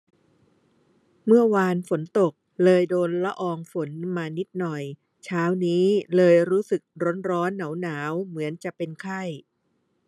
เมื่อวานฝนตกเลยโดนละอองฝนมานิดหน่อยเช้านี้เลยรู้สึกร้อนร้อนหนาวหนาวเหมือนจะเป็นไข้